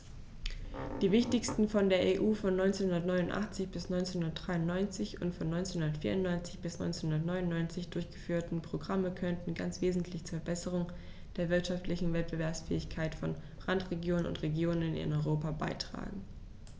Die wichtigsten von der EU von 1989 bis 1993 und von 1994 bis 1999 durchgeführten Programme konnten ganz wesentlich zur Verbesserung der wirtschaftlichen Wettbewerbsfähigkeit von Randregionen und Regionen in Europa beitragen.